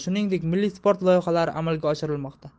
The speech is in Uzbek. shuningdek milliy sport loyihalari amalga oshirilmoqda